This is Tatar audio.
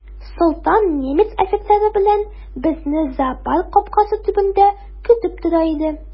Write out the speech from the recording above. Солтан немец офицеры белән безне зоопарк капкасы төбендә көтеп тора иде.